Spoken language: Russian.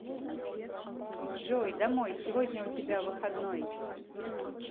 джой домой сегодня у тебя выходной